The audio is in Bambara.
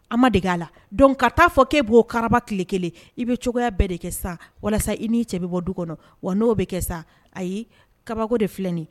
A ma de a la dɔn ka taaa fɔ k'e b' kaba tile kelen i bɛ cogoya bɛɛ de kɛ sa walasa i n'i cɛ bɔ du kɔnɔ wa n'o bɛ kɛ sa ayi kabako de filɛi